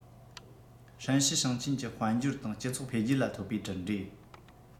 ཧྲན ཞི ཞིང ཆེན གྱི དཔལ འབྱོར དང སྤྱི ཚོགས འཕེལ རྒྱས ལ ཐོབ པའི གྲུབ འབྲས